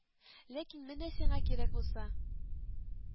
Ләкин менә сиңа кирәк булса